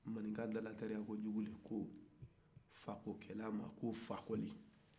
maninka dalateriya ko judu de ko fa ko kɛ la ma ko fokoli